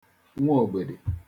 nwaògbèdè